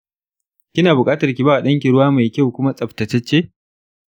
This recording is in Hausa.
kina bukatar kibawa danki ruwa mai kyau kuma tsaftatacce.